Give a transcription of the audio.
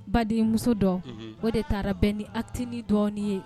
Badenmuso dɔ unhun o de taara bɛn ni acte nin dɔɔni ye